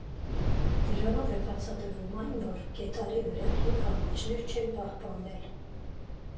Դրանով է բացատրվում այն, որ Գետառի վրա հին կամուրջներ չեն պահպանվել։